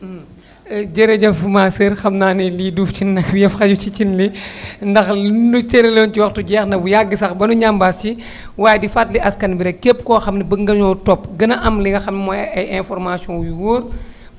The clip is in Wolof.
jërëjëf ma soeur xam naa ne liy duuf si nag bi yëpp xajul si cin li nadx liñ ñu cërale woon ci waxtu yëpp jeex na bu yàgg sax ba nu ñambaas ci waaye di fàttali askan bi rek ne képp koo xam ne bëgg nga ñoo topp gën a am li nga xam mooy ay informations yu wóor